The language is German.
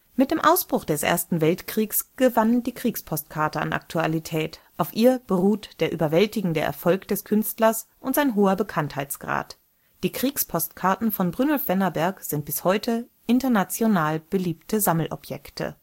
Mit dem Ausbruch des Ersten Weltkrieges gewann die Kriegspostkarte an Aktualität. Auf ihr beruhte der überwältigende Erfolg des Künstlers und sein hoher Bekanntheitsgrad. Die Kriegspostkarten von Brynolf Wennerberg sind bis heute international beliebte Sammelobjekte